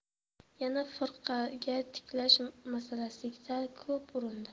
yana firqaga tiklash masalasida ko'p urindi